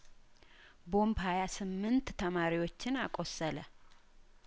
ቦምብ ሀያስምንት ተማሪዎችን አቆሰለ